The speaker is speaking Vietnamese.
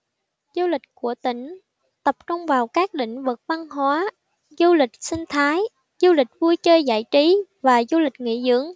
du lịch của tỉnh tập trung vào các lĩnh vực văn hóa du lịch sinh thái du lịch vui chơi giải trí và du lịch nghỉ dưỡng